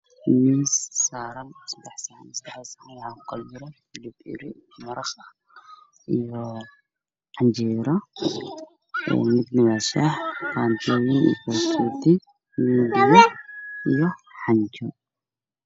Meeshan waxa ayaa lamiis waxaa saaran afar saxan saxan waxaa ku jira canjeero saxan waxaa ku jiro marar saxan waxaa ku jiro shaah saxan kalana waxaa ku jira qaadooyin